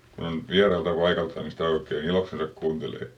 kun on vieraalta paikalta niin sitä oikein iloksensa kuuntelee